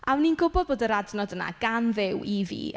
A o'n i'n gwbod bod yr adnod yna gan Dduw i fi.